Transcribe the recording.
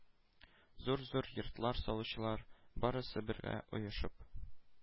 Зур-зур йортлар салучылар, барысы бергә оешып,